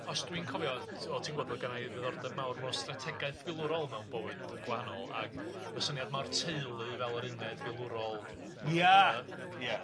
os dwi'n cofio t- o ti'n gwbod bod gynna i ddiddordeb mawr mewn strategaeth filwrol mewn bywyd gwahanol ag y syniad 'ma o'r teulu fel yr uned filwrol. Ia. Yy ia.